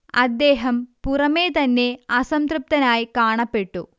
അദ്ദേഹം പുറമേ തന്നെ അസംതൃപ്തനായി കാണപ്പെട്ടു